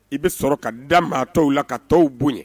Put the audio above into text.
I bi sɔrɔ ka da maa tɔw la ka tɔw bonɲɛ.